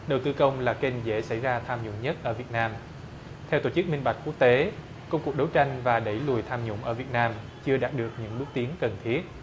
đầu tư công là kênh dễ xảy ra tham nhũng nhất ở việt nam theo tổ chức minh bạch quốc tế công cuộc đấu tranh và đẩy lùi tham nhũng ở việt nam chưa đạt được những bước tiến cần thiết